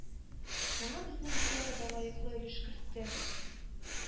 Моңа безнең диләрә дә лаеклы өлеш кертте.